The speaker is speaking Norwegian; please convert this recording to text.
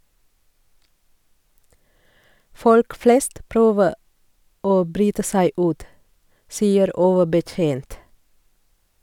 - Folk flest prøver å bryte seg ut , sier overbetjent.